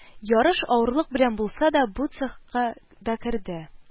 Ярыш авырлык белән булса да бу цехка да керде